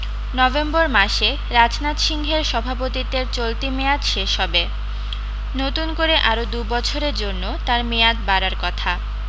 November মাসে রাজনাথ সিংহের সভাপতিত্বের চলতি মেয়াদ শেষ হবে নতুন করে আরও দু বছরের জন্য তার মেয়াদ বাড়ার কথা